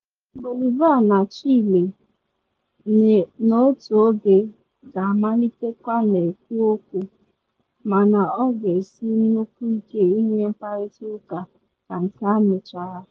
Bolivia na Chile n’otu oge ga-amalitekwa na ekwu okwu, mana ọ ga-esi nnukwu ike ịnwe mkparịta ụka ka nke a mechara.